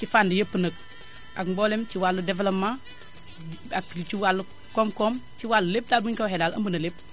ci fànn yépp nag ak mbooleem ci wàllu développement ak ci wàllu kom-kom ci wàllu lépp daal buñu ko waxee daal ëmb na lépp